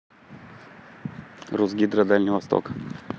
русгидро дальний восток